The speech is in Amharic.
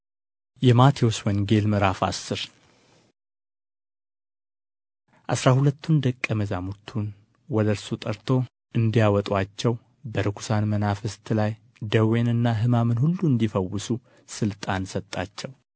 ﻿የማቴዎስ ወንጌል ምዕራፍ አስር አሥራ ሁለቱን ደቀ መዛሙርቱን ወደ እርሱ ጠርቶ እንዲያወጡአቸው በርኩሳን መናፍስት ላይ ደዌንና ሕማምንም ሁሉ እንዲፈውሱ ሥልጣን ሰጣቸው